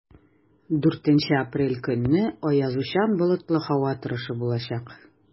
4 апрель көнне аязучан болытлы һава торышы булачак.